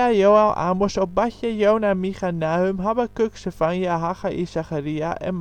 Joël, Amos, Obadja, Jona, Micha, Nahum, Habakuk, Zefanja, Haggai, Zacharia en